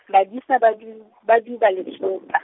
badisa ba du-, ba duba letsopa.